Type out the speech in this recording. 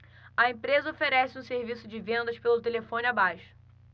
a empresa oferece um serviço de vendas pelo telefone abaixo